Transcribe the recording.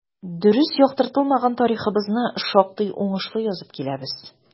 Дөрес яктыртылмаган тарихыбызны шактый уңышлы язып киләбез.